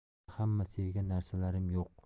menda hamma sevgan narsalarim yo'q